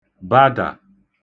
badà